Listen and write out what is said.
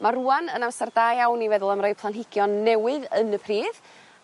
Ma' rŵan yn amsar da iawn i feddwl am roi planhigion newydd yn y pridd